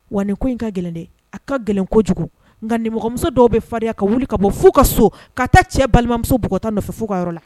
Wa nin ko in ka gɛlɛn de a ka gɛlɛn kojugu nka nimɔgɔmuso dɔw bɛ fa ka wuli ka bɔ fo ka so ka taa cɛ balimamuso bɔgɔta nɔfɛ fo ka yɔrɔ la